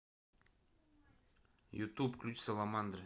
ютуб ключ саламандры